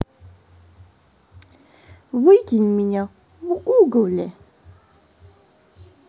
выкинь меня в google